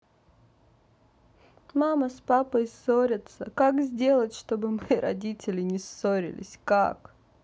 мама с папой ссорятся как сделать чтобы мои родители не ссорились как